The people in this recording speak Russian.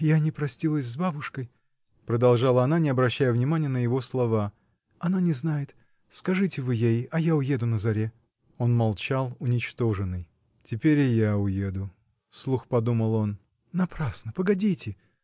— Я не простилась с бабушкой, — продолжала она, не обращая внимания на его слова, — она не знает, скажите вы ей, а я уеду на заре. Он молчал уничтоженный. — Теперь и я уеду! — вслух подумал он. — Напрасно, погодите.